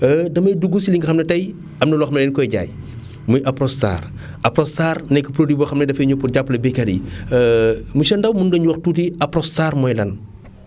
damay dugg si li nga xam ne tey am na loo xam ne yéen a ngi koy jaay muy Apronstar Apronstar nekk produit boo xam ne dafee ñëw pour jàppale baykat yi monsieur Ndao mën nga ñu wax tuuti Apronstar mooy lan